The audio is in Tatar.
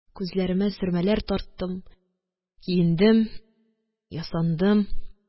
Күзләремә сөрмәләр тарттым, киендем, ясандым